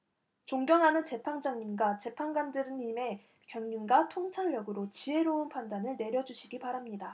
존경하는 재판장님과 재판관님들의 경륜과 통찰력으로 지혜로운 판단을 내려주시기 바랍니다